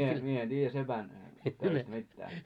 kun minä minä en tiedä sepän töistä mitään